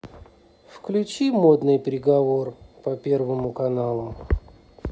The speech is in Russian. включи модный приговор по первому каналу